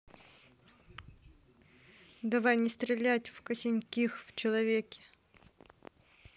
давай не стрелять в косеньких в человеке